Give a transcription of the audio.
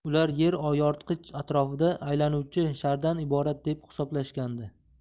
ular yer yoritqich atrofida aylanuvchi shardan iborat deb hisoblashgandi